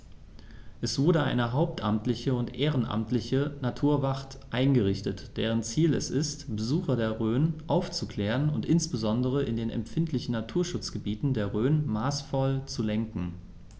Es wurde eine hauptamtliche und ehrenamtliche Naturwacht eingerichtet, deren Ziel es ist, Besucher der Rhön aufzuklären und insbesondere in den empfindlichen Naturschutzgebieten der Rhön maßvoll zu lenken.